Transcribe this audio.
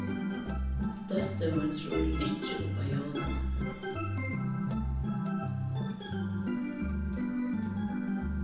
dóttir mín trýr ikki uppá jólamannin